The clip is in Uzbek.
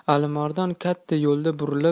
alimardon katta yo'ldan burilib